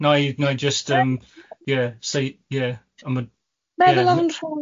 Wna i wna i jyst yym ie say ie... Meddwl ar fy'n nhrod.